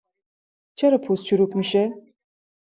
چرا پوست چروک می‌شه؟